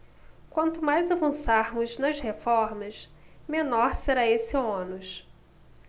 quanto mais avançarmos nas reformas menor será esse ônus